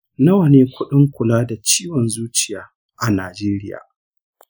nawa ne kuɗin kula da ciwon zuciya a najeriya?